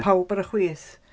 Pawb ar y chwith...